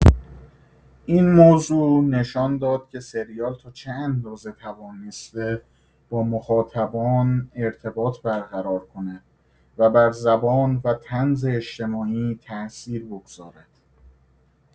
این موضوع نشان داد که سریال تا چه اندازه توانسته با مخاطبان ارتباط برقرار کند و بر زبان و طنز اجتماعی تاثیر بگذارد.